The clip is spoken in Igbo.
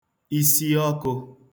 isiọkụ̄